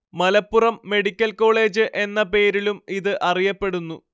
Malappuram medical college എന്ന പേരിലും ഇത് അറിയപ്പെടുന്നു